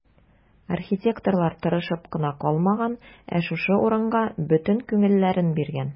Архитекторлар тырышып кына калмаган, ә шушы урынга бөтен күңелләрен биргән.